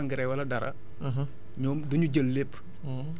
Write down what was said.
foofu boo fa defee engrais wala dara